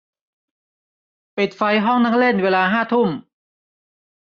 ปิดไฟห้องนั่งเล่นเวลาห้าทุ่ม